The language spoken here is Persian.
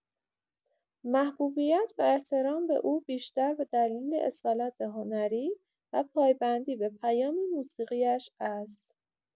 محبوبیت و احترام به او بیشتر به دلیل اصالت هنری و پایبندی به پیام موسیقی‌اش است.